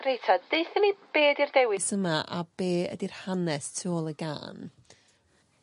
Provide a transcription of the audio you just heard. Reit 'te deutha ni be' 'di'r dewis yma a be' ydi'r hanes tu ôl y gân?